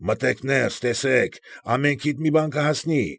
Մտեք ներս, տեսեք։ Ամենքիդ մի բան կհասնի։